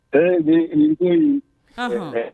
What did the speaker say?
Ɛɛ, nin koɲɛ in.